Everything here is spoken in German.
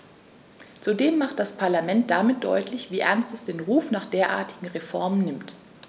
Zudem macht das Parlament damit deutlich, wie ernst es den Ruf nach derartigen Reformen nimmt.